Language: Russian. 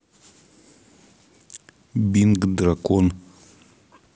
бинг дракон